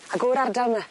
Ag o'r ardal 'my?